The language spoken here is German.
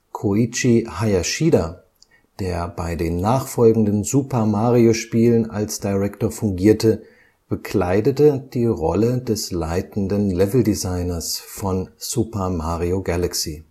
Koichi Hayashida, der bei den nachfolgenden Super-Mario-Spielen als Director fungierte, bekleidete die Rolle des leitenden Leveldesigners von Super Mario Galaxy